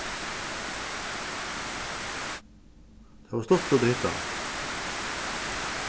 tað var stuttligt at hitta hann